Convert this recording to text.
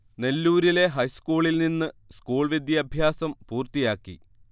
നെല്ലൂരിലെ ഹൈസ്കൂളിൽ നിന്ന് സ്കൂൾ വിദ്യാഭ്യാസം പൂർത്തിയാക്കി